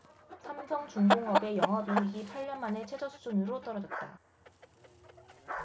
삼성중공업의 영업이익이 팔 년 만에 최저수준으로 떨어졌다